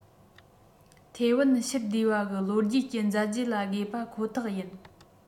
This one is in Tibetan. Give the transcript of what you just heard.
ཐའེ ཝན ཕྱིར བསྡུས པ གི ལོ རྒྱུས ཀྱི མཛད རྗེས ལ དགོས པ ཁོ ཐག ཡིན